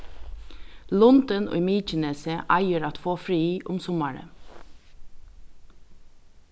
lundin í mykinesi eigur at fáa frið um summarið